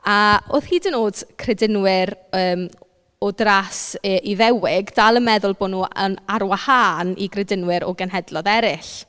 A oedd hyd yn oed credinwyr yym o dras i- Iddewig dal yn meddwl bod nhw yn ar wahân i gredinwyr o genhedloedd eraill.